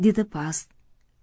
didi past